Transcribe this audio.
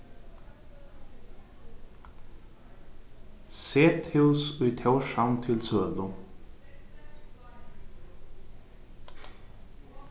sethús í tórshavn til sølu